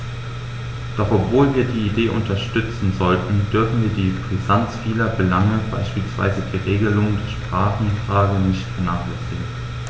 Doch obwohl wir die Idee unterstützen sollten, dürfen wir die Brisanz vieler Belange, beispielsweise die Regelung der Sprachenfrage, nicht vernachlässigen.